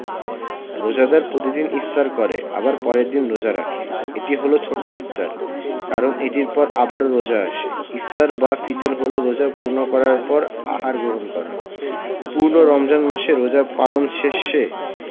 রোজাদার প্রতিদিন ইফতার করে আবার পরের দিন রোজা রাখে এটি হলো ছোট ইফতার কারণ এটির পর আবারও রোজা আসে ইফতার বা ফিতর হলো রোজা পূর্ণ করার পর আহার গ্রহণ করা পূর্ণ রমজান মাস রোজা পালন শেষে